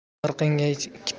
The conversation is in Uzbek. bir qinga ikki pichoq